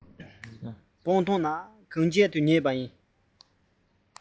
སྤང ཐང ན གན རྐྱལ དུ ཉལ ནས བསྡད